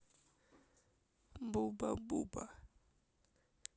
буба буба